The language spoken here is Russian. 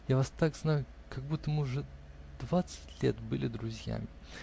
Я вас так знаю, как будто уже мы двадцать лет были друзьями.